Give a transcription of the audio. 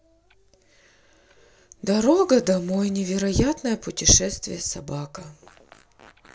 дорога домой невероятное путешествие собака